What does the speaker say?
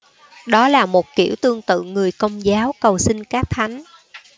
đó là một kiểu tương tự người công giáo cầu xin các thánh